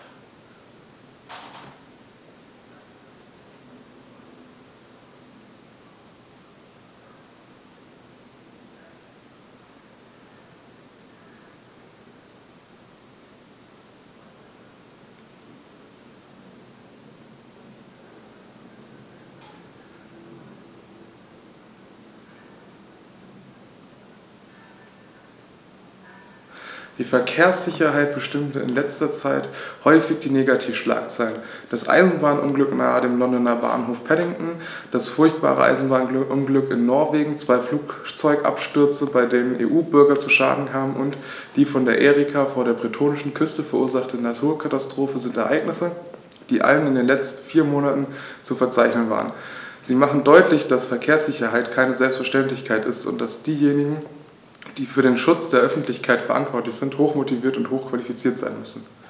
Die Verkehrssicherheit bestimmte in letzter Zeit häufig die Negativschlagzeilen: Das Eisenbahnunglück nahe dem Londoner Bahnhof Paddington, das furchtbare Eisenbahnunglück in Norwegen, zwei Flugzeugabstürze, bei denen EU-Bürger zu Schaden kamen, und die von der Erika vor der bretonischen Küste verursachte Naturkatastrophe sind Ereignisse, die allein in den letzten vier Monaten zu verzeichnen waren. Sie machen deutlich, dass Verkehrssicherheit keine Selbstverständlichkeit ist und dass diejenigen, die für den Schutz der Öffentlichkeit verantwortlich sind, hochmotiviert und hochqualifiziert sein müssen.